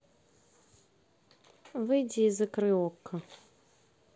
выйди из игры okko